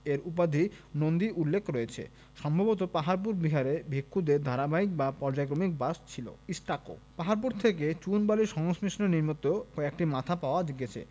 এর উপাধি নন্দী উল্লেখ রয়েছে সম্ভবত পাহাড়পুর বিহারে ভিক্ষুদের ধারাবাহিক বা পর্যায়ক্রমিক বাস ছিল স্টাকোঃ পাহাড়পুর থেকে চুন বালির সংমিশ্রণে নির্মিত কয়েকটি মাথা পাওয়া গেছে